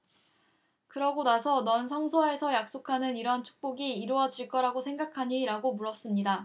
그러고 나서 넌 성서에서 약속하는 이런 축복이 이루어질 거라고 생각하니 라고 물었습니다